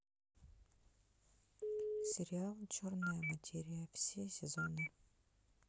сериал черная материя все сезоны